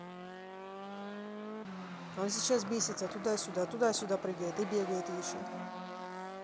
он сейчас бесится туда сюда туда сюда прыгает и бегает еще